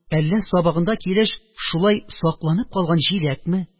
Әллә сабагында килеш шулай сакланып калган җиләкме